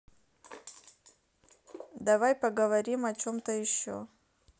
давай поговорим о чем то еще